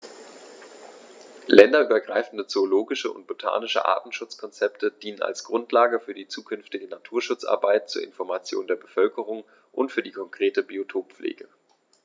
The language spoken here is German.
Länderübergreifende zoologische und botanische Artenschutzkonzepte dienen als Grundlage für die zukünftige Naturschutzarbeit, zur Information der Bevölkerung und für die konkrete Biotoppflege.